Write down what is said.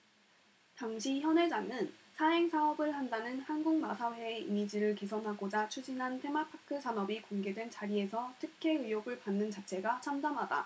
당시 현 회장은 사행사업을 한다는 한국마사회의 이미지를 개선하고자 추진한 테마파크 사업이 공개된 자리에서 특혜 의혹을 받는 자체가 참담하다